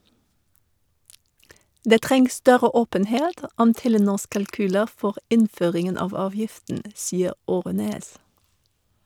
- Det trengs større åpenhet om Telenors kalkyler for innføringen av avgiften, sier Aarønæs.